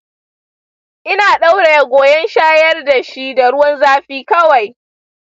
ina ɗauraye goran shayar da shi, da ruwan zafi kawai.